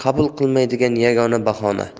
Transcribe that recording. qabul qilmaydigan yagona bahona